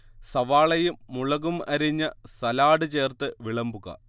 സവാളയും മുളകും അരിഞ്ഞ സലാഡ് ചേർത്ത് വിളമ്പുക